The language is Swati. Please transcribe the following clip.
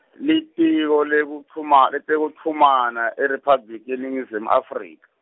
Litiko lekuchuma-, leTekuchumana IRiphabliki yeNingizimu Afrika.